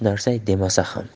narsa demasa ham